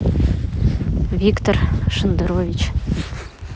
виктор шендерович